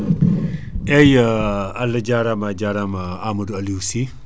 eyyi Allah jaarama a jaarama Amadou Aliou Sy